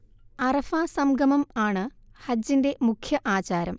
അറഫാ സംഗമം ആണു ഹജ്ജിന്റെ മുഖ്യ ആചാരം